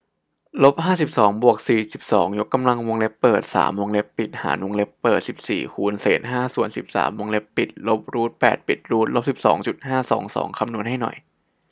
ลบห้าสิบสองบวกสี่สิบสองยกกำลังวงเล็บเปิดสามวงเล็บปิดหารวงเล็บเปิดสิบสี่คูณเศษห้าส่วนสิบสามวงเล็บปิดลบรูทแปดปิดรูทลบสิบสองจุดห้าสองสองคำนวณให้หน่อย